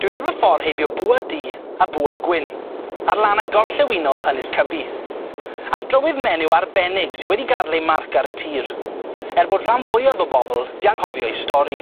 Dwi ar fy ffor heibio bŵa du a bŵa gwyn ar lanau gorllewinol Ynys Cybi, ar drywydd menyw arbennig sy wedi gadel ei marc ar y tir, er bod rhan fwyaf o bobol di anghofio ei stori.